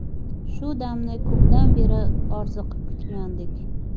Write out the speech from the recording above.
shu damni ko'pdan beri orziqib kutgandek